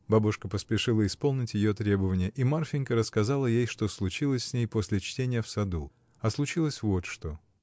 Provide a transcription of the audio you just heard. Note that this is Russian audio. Бабушка поспешила исполнить ее требование, и Марфинька рассказала ей, что случилось с ней, после чтения, в саду. А случилось вот что.